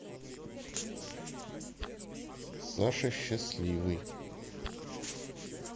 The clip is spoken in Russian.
саша счастливый